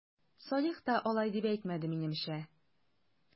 Салих та алай дип әйтмәде, минемчә...